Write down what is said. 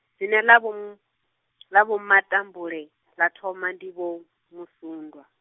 dzina ḽa Vho M-, ḽa Vho Matambule, ḽa thoma ndi Vho Musundwa.